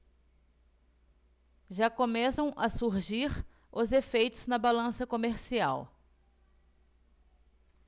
já começam a surgir os efeitos na balança comercial